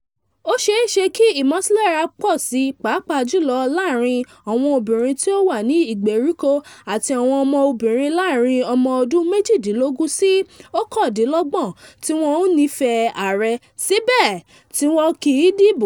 Ó ṣeéṣe kí ìmọ̀sílára pọ̀ sí pàápàá jùlọ láàrin àwọn obìnrin tí ó wà ní ìgbèríko àti àwọn ọmọbìnrin láàrin ọmọ ọdún méjìdínlógún sí óòkandínlọ́gbọ̀n tí wọ́n ò nífẹ̀ẹ́ ààrẹ, síbẹ̀ tí wọ́n kìí dìbò.”